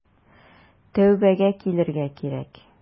Тәүбәгә килергә кирәк.